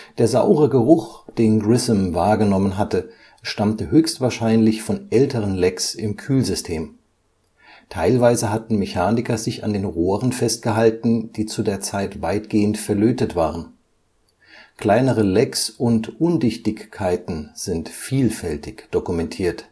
Der saure Geruch, den Grissom wahrgenommen hatte, stammte höchstwahrscheinlich von älteren Lecks im Kühlsystem. Teilweise hatten Mechaniker sich an den Rohren festgehalten, die zu der Zeit weitgehend verlötet waren. Kleinere Lecks und Undichtigkeiten sind vielfältig dokumentiert